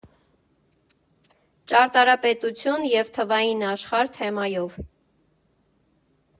«Ճարտարապետություն և թվային աշխարհ» թեմայով։